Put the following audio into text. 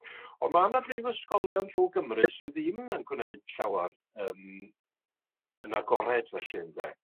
Ond ma' 'na brifysgolion drw Gymru sy ddim yn gwneud llawar yym yn agored felly ynde.